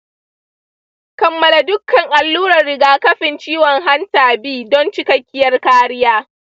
kammala dukkan alluran rigakafin ciwon hanta b don cikakkiyar kariya.